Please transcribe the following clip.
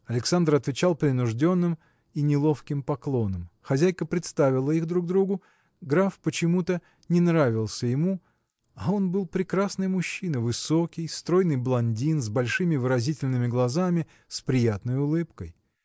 Александр отвечал принужденным и неловким поклоном. Хозяйка представила их друг другу. Граф почему-то не нравился ему а он был прекрасный мужчина высокий стройный блондин с большими выразительными глазами с приятной улыбкой.